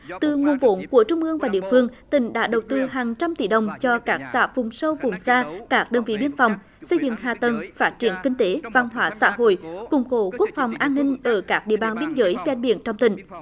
từ nguồn vốn của trung ương và địa phương tỉnh đã đầu tư hàng trăm tỷ đồng cho các xã vùng sâu vùng xa các đơn vị biên phòng xây dựng hạ tầng phát triển kinh tế văn hóa xã hội củng cố quốc phòng an ninh ở các địa bàn biên giới ven biển trong tỉnh